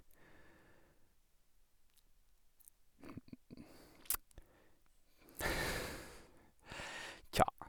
Tja.